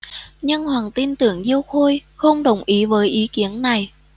nhưng hoằng tin tưởng diêu khôi không đồng ý với ý kiến này